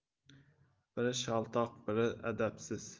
biri shaltoq biri adabsiz